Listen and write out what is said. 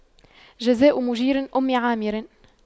جزاء مُجيرِ أُمِّ عامِرٍ